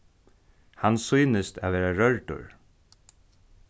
hann sýnist at vera rørdur